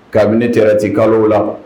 Kabini tɛ tɛ kalo la